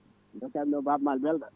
dokkami ɗo Baaba Mall belɗo